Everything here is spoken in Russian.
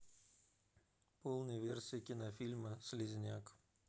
полная версия кинофильма слизняк